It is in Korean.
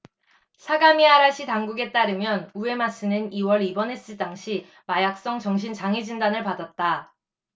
사가미하라시 당국에 따르면 우에마쓰는 이 월 입원했을 당시 마약성 정신장애진단을 받았다